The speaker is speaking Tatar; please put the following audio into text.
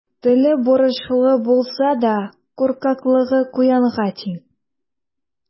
Теле борычлы булса да, куркаклыгы куянга тиң.